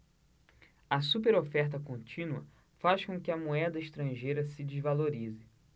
a superoferta contínua faz com que a moeda estrangeira se desvalorize